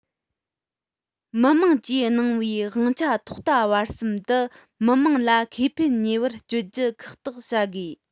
མི དམངས ཀྱིས གནང བའི དབང ཆ ཐོག མཐའ བར གསུམ དུ མི དམངས ལ ཁེ ཕན གཉེར བར སྤྱོད རྒྱུ ཁག ཐེག བྱ དགོས